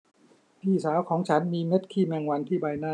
พี่สาวของฉันมีเม็ดขี้แมงวันที่ใบหน้า